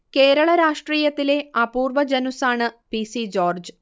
കേരള രാഷ്ട്രീയത്തിലെ അപൂർവ്വ ജനുസ്സാണ് പി. C George